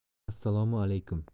assalomu alaykum